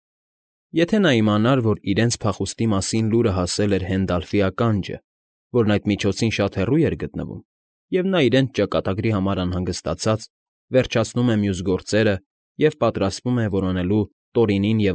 Եթե նա իմանար, որ իրենց փախուստի մասին լուրը հասել էր Հենդալֆի ականջը, որն այդ միջոցին շատ հեռու էր գտնվում, և նա, իրենց ճակատագրի համար անհանգստացած, վերջացնում է մյուս գործերը և պատրաստվում է որոնելու Տորինին և։